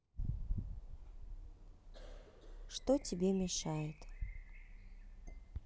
что тебе мешает